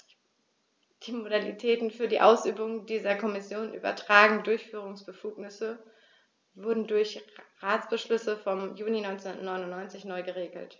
Die Modalitäten für die Ausübung dieser der Kommission übertragenen Durchführungsbefugnisse wurden durch Ratsbeschluss vom Juni 1999 neu geregelt.